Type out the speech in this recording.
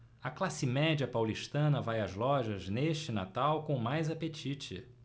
a classe média paulistana vai às lojas neste natal com mais apetite